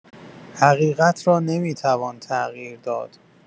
حقیقت را نمی‌توان تغییر داد.